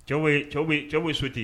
Cɛw cɛw so ten